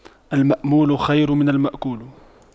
المأمول خير من المأكول